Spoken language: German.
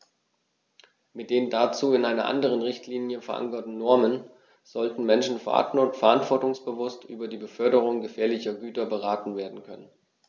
Mit den dazu in einer anderen Richtlinie, verankerten Normen sollten Menschen verantwortungsbewusst über die Beförderung gefährlicher Güter beraten werden können.